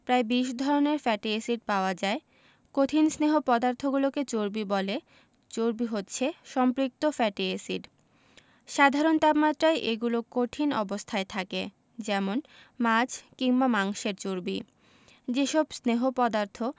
প্রায় ২০ ধরনের fatty acid পাওয়া যায় কঠিন স্নেহ পদার্থগুলোকে চর্বি বলে চর্বি হচ্ছে সম্পৃক্ত ফ্যাটি এসিড সাধারণ তাপমাত্রায় এগুলো কঠিন অবস্থায় থাকে যেমন মাছ কিংবা মাংসের চর্বি যেসব স্নেহ পদার্থ